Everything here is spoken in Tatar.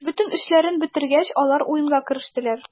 Бөтен эшләрен бетергәч, алар уенга керештеләр.